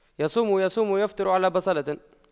يصوم يصوم ويفطر على بصلة